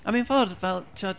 A mewn ffordd fel, timod...